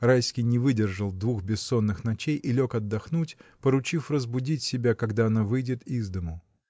Райский не выдержал двух бессонных ночей и лег отдохнуть, поручив разбудить себя, когда она выйдет из дому.